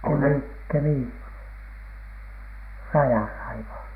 - Kemin rajalla aivan